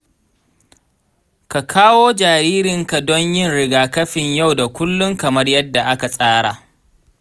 ka kawo jaririnka don yin rigakafin yau da kullum kamar yadda aka tsara